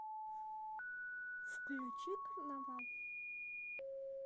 включи карнавал